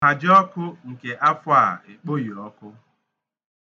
Ahajiọkụ nke afọ a ekpoghi ọkụ.